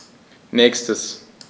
Nächstes.